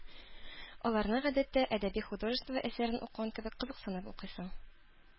Аларны, гадәттә, әдәби-художество әсәрен укыган кебек кызыксынып укыйсың.